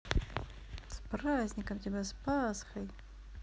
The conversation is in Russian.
с праздником тебя с пасхой